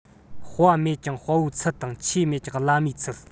དཔའ མེད ཀྱང དཔའ བོའི ཚུལ དང ཆོས མེད ཀྱང བླ མའི ཚུལ